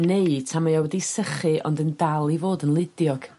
Neu tan mae o wedi sychu ond yn dal i fod yn ludiog